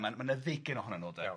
Ma' ma' 'na ddeugain ohonyn nw de. Iawn.